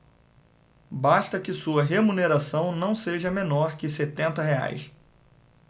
basta que sua remuneração não seja menor que setenta reais